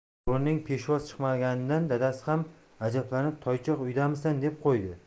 o'g'lining peshvoz chiqmaganidan dadasi ham ajablanib toychoq uydamisan deb qo'ydi